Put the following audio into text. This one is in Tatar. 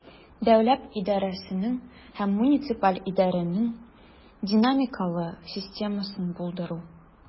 Дәүләт идарәсенең һәм муниципаль идарәнең динамикалы системасын булдыру.